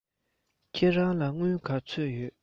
ཁྱེད རང ལ དངུལ ག ཚོད ཡོད